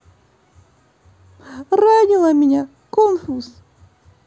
ранила меня конфуз